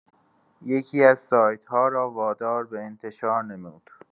یکی‌از سایت‌ها را وادار به انتشار نمود.